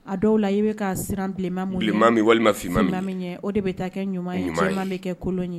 A dɔw la i bɛ ka siran bilenma walimamalima min ye o de bɛ taa kɛ ɲuman ye walima bɛ kɛ kolon ye